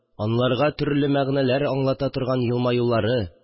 Анларга төрле мәгънәләр аңлата торган елмаюлары